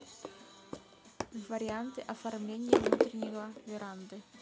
варианты оформления внутреннего веранды